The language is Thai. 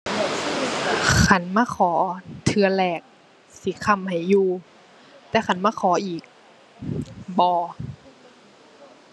คันมาขอเทื่อแรกสิค้ำให้อยู่ แต่คันมาขออีก บ่